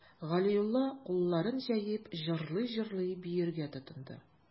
Галиулла, кулларын җәеп, җырлый-җырлый биергә тотынды.